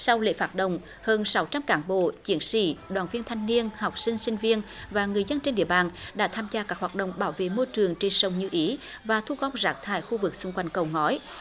sau lễ phát động hơn sáu trăm cán bộ chiến sĩ đoàn viên thanh niên học sinh sinh viên và người dân trên địa bàn đã tham gia các hoạt động bảo vệ môi trường trên sông như ý và thu gom rác thải khu vực xung quanh cầu ngói